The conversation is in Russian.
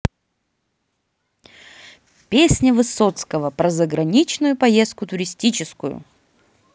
песня высоцкого про заграничную поездку туристическую